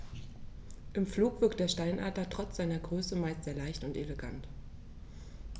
Im Flug wirkt der Steinadler trotz seiner Größe meist sehr leicht und elegant.